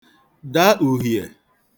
da ùhiè